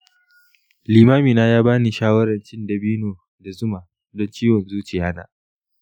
limami na ya bani shawaran cin dabino da zuma don ciwon zuciya na.